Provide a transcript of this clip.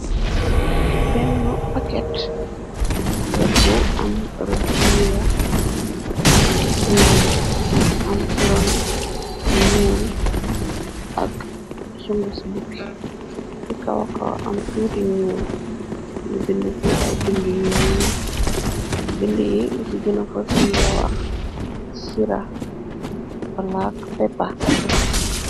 Benna paket bu am rëdyu weex ak singom am siron ñuul ak sungufi bukke si kawaka am tuuti ñuul nu binda ci ay binda yu ñuul binda yi li ci gëna fasinge wax sira balaak pepa.